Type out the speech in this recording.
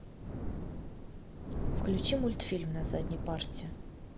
включи мультфильм на задней парте